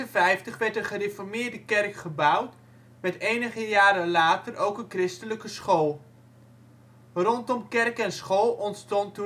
1856 werd een Gereformeerde Kerk gebouwd met enige jaren later ook een christelijke school. Rondom kerk en school ontstond